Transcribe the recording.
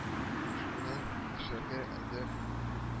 Шуны эшләргә әзер